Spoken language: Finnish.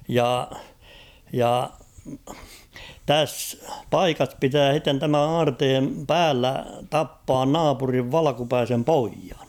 ja ja tässä paikassa pitää sitten tämän aarteen päällä tappaa naapurin valkeapäisen pojan